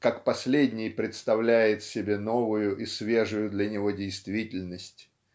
как последний представляет себе новую и свежую для него действительность.